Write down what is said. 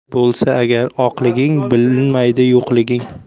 bo'lsa agar oqliging bilinmaydi yo'qliging